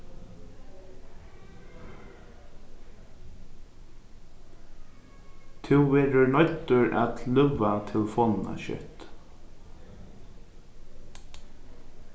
tú verður noyddur at løða telefonina skjótt